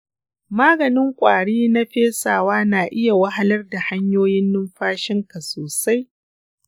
maganin ƙwari na fesawa na iya wahalar da hanyoyin numfashinka sosai.